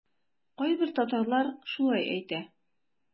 Кайбер татарлар шулай әйтә.